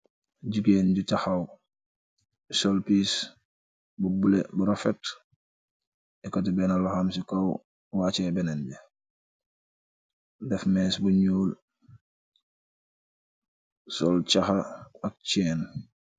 Jigeen gi tahaw , sol pess , bu bulo , bu refet aketeh lohom bi si koow wajeeh benen bi , deff mess bu nul , sol jahaa , ak chain.